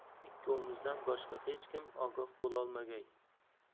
ikkovimizdan boshqa hech kim ogoh bo'lolmagay